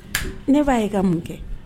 Ne b'a ye ka mun kɛ?